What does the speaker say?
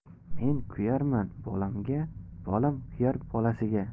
men kuyarman bolamga bolam kuyar bolasiga